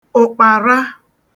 ụkpàra